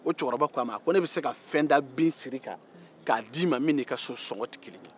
o cɛkɔrɔba ko ne bɛ se ka fɛn wɛrɛ d'i ma min n'i ka sosɔgɔn tɛ kelen ye